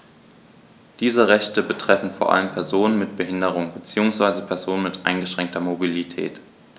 Diese Rechte betreffen vor allem Personen mit Behinderung beziehungsweise Personen mit eingeschränkter Mobilität.